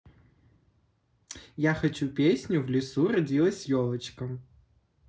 я хочу песню в лесу родилась елочка